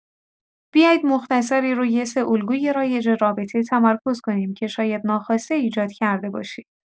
بیایید مختصری روی سه الگوی رایج رابطه تمرکز کنیم که شاید ناخواسته ایجاد کرده باشید.